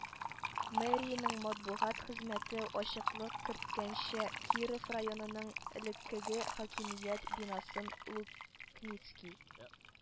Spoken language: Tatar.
Мэриянең матбугат хезмәте ачыклык керткәнчә, Киров районының элеккеге хакимият бинасын Лук ницкий